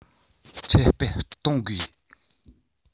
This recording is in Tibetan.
ཁྱབ སྤེལ གཏོང དགོས